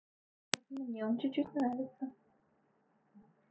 мне он чуть чуть нравится